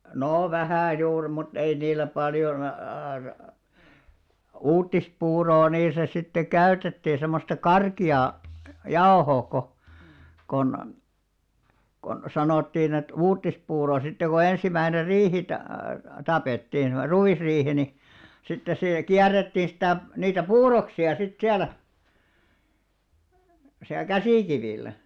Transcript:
no vähän juuri mutta ei niillä paljon -- uutispuuroa niissä sitten käytettiin semmoista karkeaa jauhoa kun kun kun sanottiin että uutispuuro sitten kun ensimmäinen riihi - tapettiin semmoinen ruisriihi niin sitten se kierrettiin sitä niitä puuroksia sitten siellä siellä käsikivillä